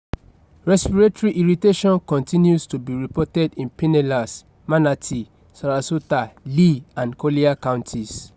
Respiratory irritation continues to be reported in Pinellas, Manatee, Sarasota, Lee, and Collier counties.